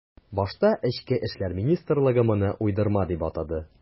Башта эчке эшләр министрлыгы моны уйдырма дип атады.